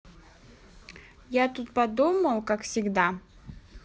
я тут подумал как всегда